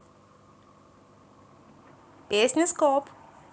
песня skop